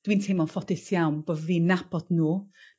dwi'n teimlo'n ffodus iawn bo' fi'n nabod n'w